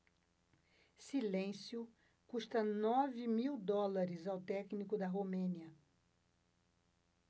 silêncio custa nove mil dólares ao técnico da romênia